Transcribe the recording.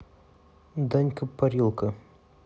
данька парилка